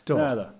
Do... Naddo.